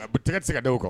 A bɛ tɛgɛ tɛ se ka da aw kɔ